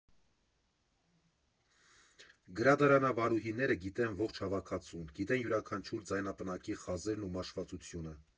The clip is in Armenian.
Գրադարանավարուհիները գիտեն ողջ հավաքածուն, գիտեն յուրաքանչյուր ձայնապնակի խազերն ու մաշվածությունը։